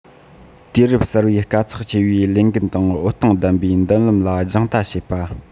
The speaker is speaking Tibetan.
དུས རབས གསར པའི དཀའ ཚེགས ཆེ བའི ལས འགན དང འོད སྟོང ལྡན པའི མདུན ལམ ལ རྒྱང ལྟ བྱེད པ